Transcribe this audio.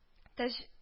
Тәҗ